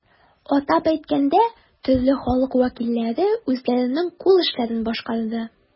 Атап әйткәндә, төрле халык вәкилләре үзләренең кул эшләрен башкарды.